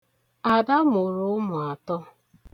Ada mụrụ ụmụ atọ.